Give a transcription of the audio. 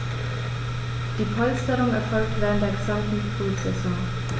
Diese Polsterung erfolgt während der gesamten Brutsaison.